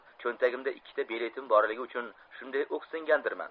cho'ntagimda ikkita biletim borligi uchun shunday o'ksingandirman